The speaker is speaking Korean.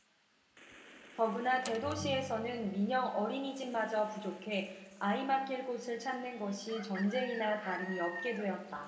더구나 대도시에서는 민영 어린이집마저 부족해 아이 맡길 곳을 찾는 것이 전쟁이나 다름이 없게 되었다